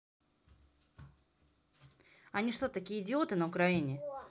они что такие идиоты на украине